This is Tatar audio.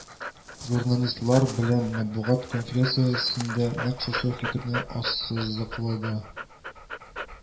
Журналистлар белән матбугат конференциясендә нәкъ шушы фикерне ассызыклады